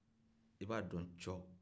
i b'a dɔn cɔ